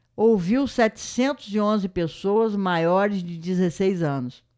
ouviu setecentos e onze pessoas maiores de dezesseis anos